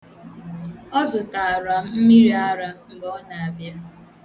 Ọ zụtara m mmiriara mgbe ọ na-abịa.